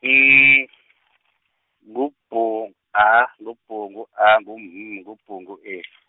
N , ngu B, A, ngu B, ngu A, ngu M, ngu B, ngu E .